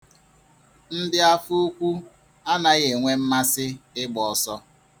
Ndị afọ ukwu anaghị enwe mmasị ịgba ọsọ.